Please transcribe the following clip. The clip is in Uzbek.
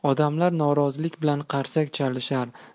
odamlar norozilik bilan qarsak chalishar